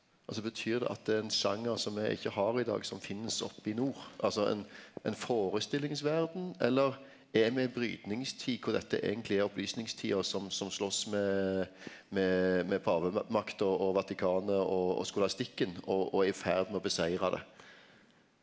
altså betyr det at det ein sjanger som me ikkje har i dag som finst oppi nord altså ein ein førestillingsverd, eller er me i ei brytningstid kor dette eigentleg er opplysningstida som som slåst med med med pavemakt og og Vatikanet og og skolastikken og og er i ferd med å seira over det?